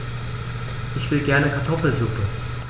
Ich will gerne Kartoffelsuppe.